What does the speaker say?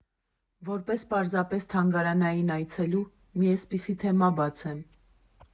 Որպես պարզապես թանգարանային այցելու՝ մի էսպիսի թեմա բացեմ.